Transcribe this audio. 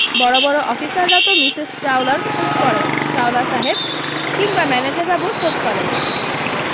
বড় বড় অফিসাররা তো মিসেস চাওলার খোঁজ করেন চাওলা সাহেব কিংবা ম্যানেজারবাবুর খোঁজ করেন না